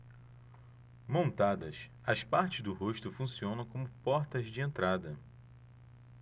montadas as partes do rosto funcionam como portas de entrada